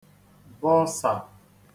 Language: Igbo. -bọsà